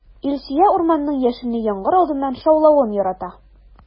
Илсөя урманның яшенле яңгыр алдыннан шаулавын ярата.